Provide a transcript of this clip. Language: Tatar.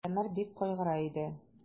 Крестьяннар бик кайгыра иде.